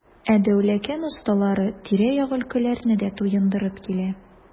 Ә Дәүләкән осталары тирә-як өлкәләрне дә туендырып килә.